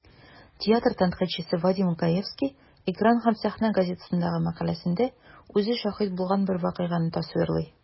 Театр тәнкыйтьчесе Вадим Гаевский "Экран һәм сәхнә" газетасындагы мәкаләсендә үзе шаһит булган бер вакыйганы тасвирлый.